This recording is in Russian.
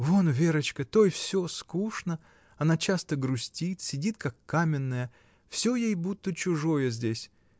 Вон Верочка, той всё скучно, она часто грустит, сидит, как каменная, всё ей будто чужое здесь!